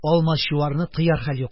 Алмачуарны тыяр хәл юк.